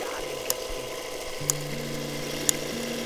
Gad i fe gysgu.